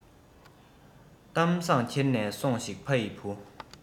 གཏམ བཟང འཁྱེར ནས སོང ཞིག ཕ ཡི བུ